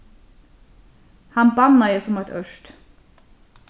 hann bannaði sum eitt ørt